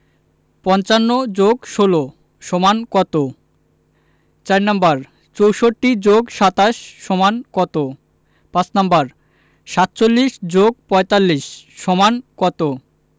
৫৫ + ১৬ = কত ৪নাম্বার ৬৪ + ২৭ = কত ৫নাম্বার ৪৭ + ৪৫ = কত